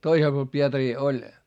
toisella puolella Pietaria oli